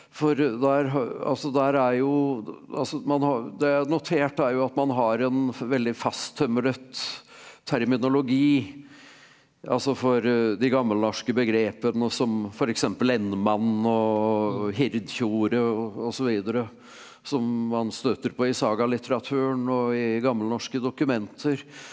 for der altså det er jo altså man det jeg har notert er jo at man har en veldig fasttømret terminologi altså for de gammelnorske begrepene som f.eks. og osv. som man støter på i sagalitteraturen og i gammelnorske dokumenter.